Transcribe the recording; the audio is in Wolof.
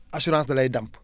assurance da lay dàmp